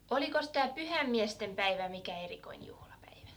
olikos tämä pyhäinmiesten päivä mikään erikoinen juhlapäivä